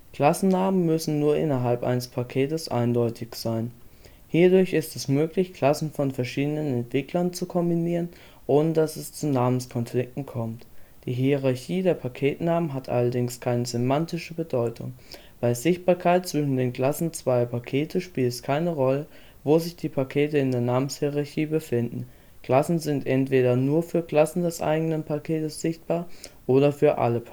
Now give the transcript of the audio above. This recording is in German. Klassennamen müssen nur innerhalb eines Paketes eindeutig sein. Hierdurch ist es möglich, Klassen von verschiedenen Entwicklern zu kombinieren, ohne dass es zu Namenskonflikten kommt. Die Hierarchie der Paketnamen hat allerdings keine semantische Bedeutung. Bei der Sichtbarkeit zwischen den Klassen zweier Pakete spielt es keine Rolle, wo sich die Pakete in der Namenshierarchie befinden. Klassen sind entweder nur für Klassen des eigenen Paketes sichtbar oder für alle